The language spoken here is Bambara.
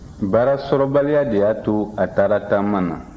baarasɔrɔbaliya de y'a to a taara taama na